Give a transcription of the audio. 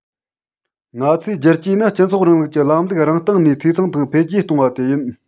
ང ཚོའི བསྒྱུར བཅོས ནི སྤྱི ཚོགས རིང ལུགས ཀྱི ལམ ལུགས རང སྟེང ནས འཐུས ཚང དང འཕེལ རྒྱས གཏོང བ དེ ཡིན